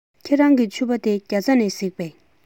ཁྱེད རང གི ཕྱུ པ དེ རྒྱ ཚ ནས གཟིགས པས